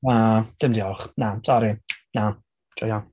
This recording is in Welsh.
Na, dim diolch. Na, sori, na, joio.